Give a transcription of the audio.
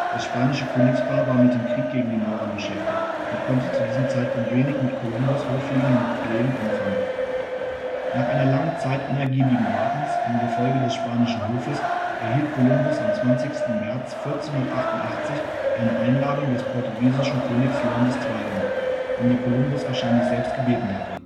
Das spanische Königspaar war mit dem Krieg gegen die Mauren beschäftigt und konnte zu diesem Zeitpunkt wenig mit Kolumbus ' hochfliegenden Plänen anfangen. Nach einer langen Zeit unergiebigen Wartens im Gefolge des spanischen Hofes erhielt Kolumbus am 20. März 1488 eine Einladung des portugiesischen Königs Johann II., um die Kolumbus wahrscheinlich selbst gebeten hatte